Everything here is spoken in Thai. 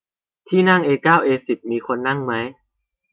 ที่นั่งเอเก้าเอสิบมีคนนั่งมั้ย